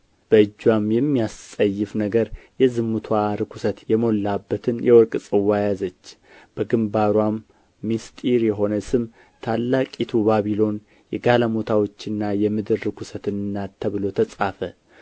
በእጅዋም የሚያስጸይፍ ነገር የዝሙትዋም ርኵሰት የሞላባትን የወርቅ ጽዋ ያዘች በግምባርዋም ምስጢር የሆነ ስም ታላቂቱ ባቢሎን የጋለሞታዎችና የምድር ርኵሰት እናት ተብሎ ተጻፈ